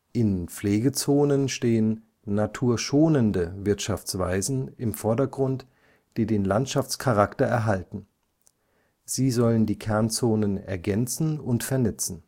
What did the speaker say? In Pflegezonen stehen „ naturschonende Wirtschaftsweisen “im Vordergrund, die den Landschaftscharakter erhalten. Sie sollen die Kernzonen ergänzen und vernetzen